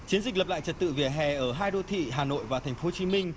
chiến dịch lập lại trật tự vỉa hè ở hai đô thị hà nội và thành phố hồ chí minh